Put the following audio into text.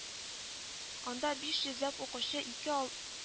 Анда биш йөзләп укучы ике ал